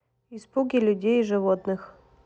испуги людей и животных